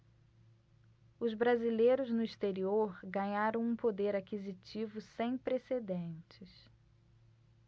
os brasileiros no exterior ganharam um poder aquisitivo sem precedentes